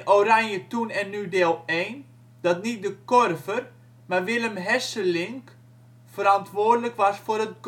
Oranje Toen en Nu deel 1 dat niet De Korver, maar Willem Hesselink verantwoordelijk was voor de